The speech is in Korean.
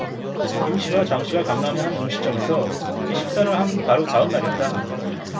김 씨와 장 씨가 강남의 한 음식점에서 함께 식사를 한 바로 다음 날이었다